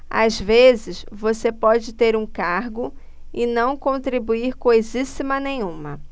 às vezes você pode ter um cargo e não contribuir coisíssima nenhuma